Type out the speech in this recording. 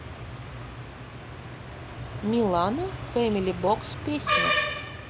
милана family box песня